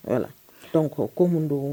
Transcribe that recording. Yala kɔ ko mun don